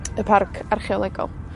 Y parc archeolegol.